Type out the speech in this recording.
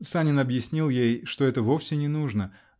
Санин объяснил ей, что это вовсе не нужно.